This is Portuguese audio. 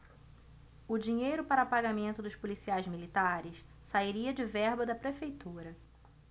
o dinheiro para pagamento dos policiais militares sairia de verba da prefeitura